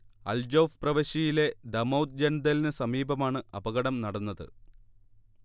Al Jouf പ്രവിശ്യയിലെ ദൗമോ ത്ത് ജൻദലിന് സമീപമാണ് അപകടം നടന്നത്